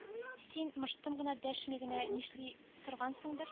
Син мыштым гына дәшми генә эшли торгансыңдыр